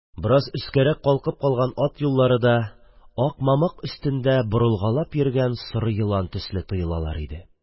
Бераз өскәрәк калкып калган ат юллары ак мамык өстендә борылгалап йөргән соры елан төсле тоелалар иде.